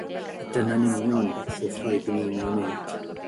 A dyna'n union beth roeddwn i'n ei wneud.